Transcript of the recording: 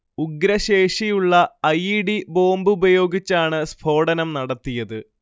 ഉഗ്രശേഷിയുള്ള I. E. D. ബോംബുപയോഗിച്ചാണ് സ്ഫോടനം നടത്തിയത്